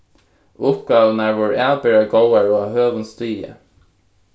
uppgávurnar vóru avbera góðar og á høgum stigi